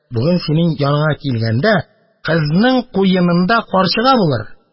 Бүген синең яныңа килгәндә, кызның куенында карчыга булыр